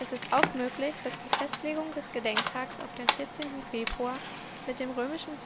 ist auch möglich, dass die Festlegung des Gedenktages auf den 14. Februar mit dem römische Fest